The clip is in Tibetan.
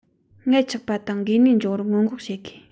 མངལ ཆགས པ དང འགོས ནད འབྱུང བར སྔོན འགོག བྱེད དགོས